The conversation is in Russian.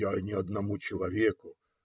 Я ни одному человеку.